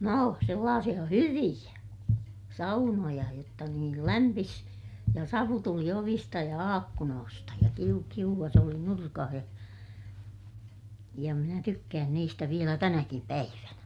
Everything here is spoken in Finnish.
no sellaisia hyviä saunoja jotta niin lämpisi ja savu tuli ovista ja ikkunoista ja - kiuas oli nurkassa ja ja minä tykkään niistä vielä tänäkin päivänä